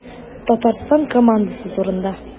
Татарстан командасы турында.